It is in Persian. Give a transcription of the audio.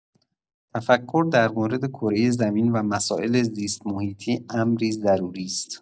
تفکر در مورد کره زمین و مسائل زیست‌محیطی امری ضروری است.